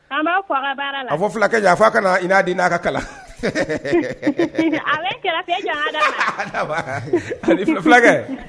La fulakɛ jan fo ka i n'a di n'a ka kalan fulakɛ